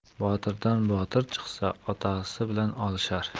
botirdan botir chiqsa otasi bilan olishar